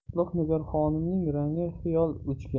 qutlug' nigor xonimning rangi xiyol o'chgan